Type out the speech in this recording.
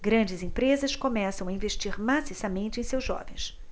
grandes empresas começam a investir maciçamente em seus jovens